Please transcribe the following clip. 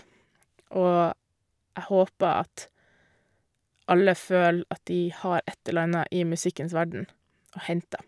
Og jeg håper at alle føler at de har et eller anna i musikkens verden å hente, da.